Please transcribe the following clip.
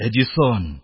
Эдиссон!